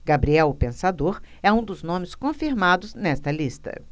gabriel o pensador é um dos nomes confirmados nesta lista